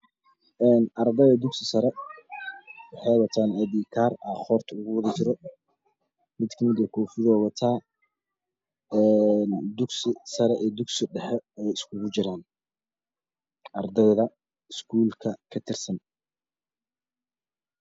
Een aradayda dugsi sare ID kaara luqunta ugu wadajiro midkamida koofiyuu wataa een dugsi sare iyo dugsi dhexeey iskugu jiraan ardyda schoolka katirsan